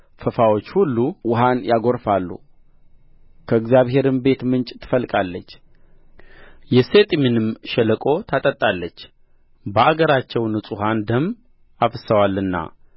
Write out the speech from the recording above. ፈፋዎች ሁሉ ውኃን ያጐርፋሉ ከእግዚአብሔርም ቤት ምንጭ ትፈልቃለች የሰጢምንም ሸለቆ ታጠጣለች በአገራቸው ንጹሑን ደም አፍስሰዋልና